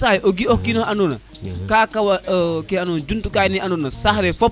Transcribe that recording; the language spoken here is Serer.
yenisas o ga o kino xa ando na ka kawa ke ando na jumtukaay ke ando na